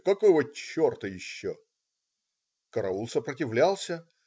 Какого черта еще!" Караул сопротивлялся.